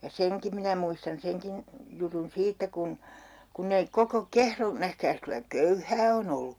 ja senkin minä muistan senkin jutun siitä kun kun ei koko - nähkääs kyllä köyhää on ollut